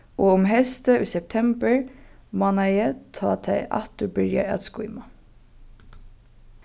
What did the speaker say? og um heystið í septemburmánaði tá tað aftur byrjar at skýma